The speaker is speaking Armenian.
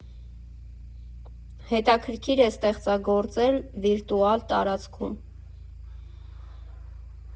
Հետաքրքիր է ստեղծագործել վիրտուալ տարածքում։